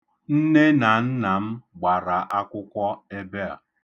Nne na nna m gbara akwụkwọ ebe a.